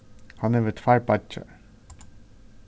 hann hevur tveir beiggjar